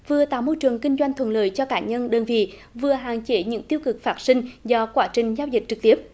vừa tạo môi trường kinh doanh thuận lợi cho cá nhân đơn vị vừa hạn chế những tiêu cực phát sinh do quá trình giao dịch trực tiếp